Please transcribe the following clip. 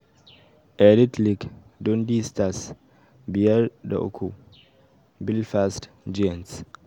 Elite League: Dundee Stars 5-3 Belfast Giants